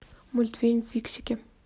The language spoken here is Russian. мультфильм фиксики